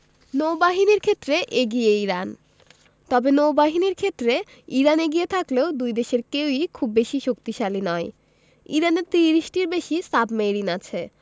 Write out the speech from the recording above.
নৌবাহিনীর ক্ষেত্রে এগিয়ে ইরান তবে নৌবাহিনীর ক্ষেত্রে ইরান এগিয়ে থাকলেও দুই দেশের কেউই খুব বেশি শক্তিশালী নয় ইরানের ৩০টির বেশি সাবমেরিন আছে